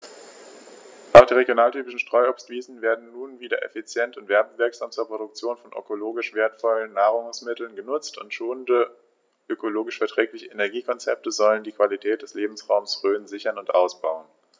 Auch die regionaltypischen Streuobstwiesen werden nun wieder effizient und werbewirksam zur Produktion von ökologisch wertvollen Nahrungsmitteln genutzt, und schonende, ökologisch verträgliche Energiekonzepte sollen die Qualität des Lebensraumes Rhön sichern und ausbauen.